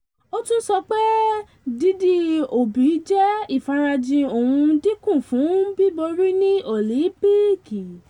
Ó tún sọ pé dídi òbí jẹ́ kí ìfarajìn òun dínkù fún bíborí ní Òlíńpìkì.